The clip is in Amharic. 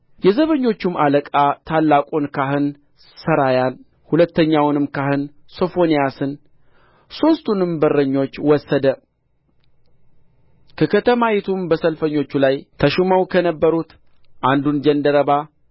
የዘበኞቹም አለቃ ታላቁን ካህን ሠራያን ሁለተኛውንም ካህን ሶፎንያስን ሦስቱንም በረኞች ወሰደ ከከተማይቱም በሰልፈኞች ላይ ተሾመው ከነበሩት አንዱን ጃንደረባ